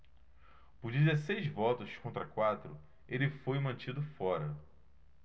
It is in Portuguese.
por dezesseis votos contra quatro ele foi mantido fora